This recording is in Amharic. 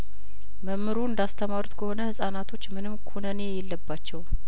መምሩ እንዳስ ተማሩት ከሆነ ህጻናቶች ምንም ኩነኔ የለባቸውም